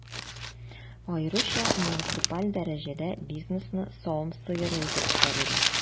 Аеруча муниципаль дәрәҗәдә бизнесны савым сыеры итеп карыйлар.